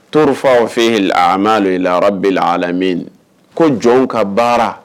ko jɔn ka baara